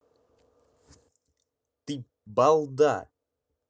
ты балда